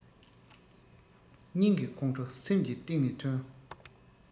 སྙིང གི ཁོང ཁྲོ སེམས ཀྱི གཏིང ནས ཐོན